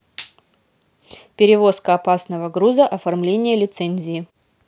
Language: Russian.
перевозка опасного груза оформление лицензии